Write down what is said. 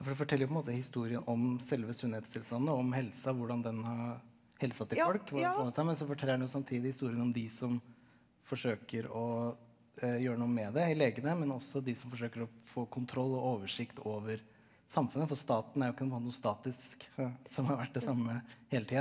for det forteller jo på en måte historien om selve sunnhetstilstanden da, om helsa hvordan den helsa til folk , men så forteller den jo samtidig historien om de som forsøker å gjøre noe med det i legene men også de som forsøker å få kontroll og oversikt over samfunnet, for staten er jo ikke noe sånn statisk som har vært det samme hele tida.